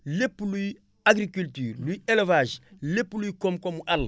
lépp luy agriculture luy élevage lépp luy koom-koomu àll